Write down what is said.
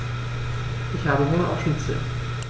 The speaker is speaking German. Ich habe Hunger auf Schnitzel.